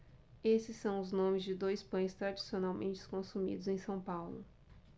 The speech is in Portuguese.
esses são os nomes de dois pães tradicionalmente consumidos em são paulo